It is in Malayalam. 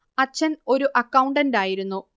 അച്ഛൻ ഒരു അക്കൗണ്ടന്റായിരുന്നു